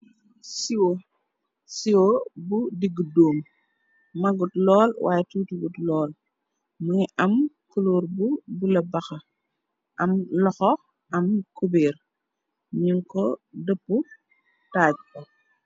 Sio bu diggu doom, magut lool waaye tuutu wut lool. Mungi am culóor bu bula baxa, am loxo am cobeer nin ko dëpp taaj ko.